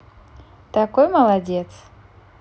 такой молодец